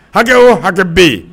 Hakɛ o hakɛ bɛ ye